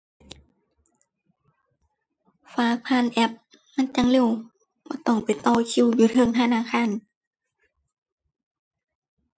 ฝากผ่านแอป มันจั่งเร็ว บ่ต้องไปต่อคิวอยู่เทิงธนาคาร